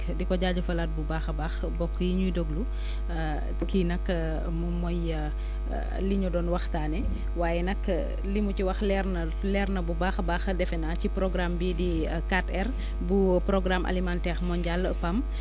di ko jaajëfalaat bu baax a baax mbokk yi ñuy déglu kii nag moom mooy li ñu doon waxtaanee waaye nag li mu ci wax leer na leer na bu baax a baax defe naa ci programme bii di 4R bu programme alimentaire mondial PAM